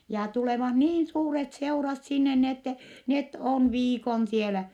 ja tulevat niin suuret seurat sinne niin että ne on viikon siellä